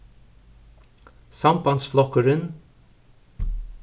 sambandsflokkurin